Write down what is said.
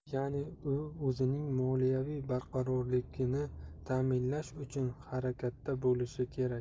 ya'ni u o'zining moliyaviy barqarorligini ta'minlash uchun harakatda bo'lishi kerak